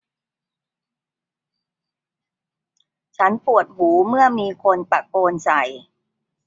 ฉันปวดหูเมื่อมีคนตะโกนใส่